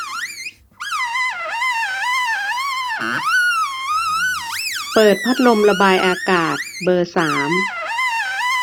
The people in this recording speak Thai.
เปิดพัดลมระบายอากาศเบอร์สาม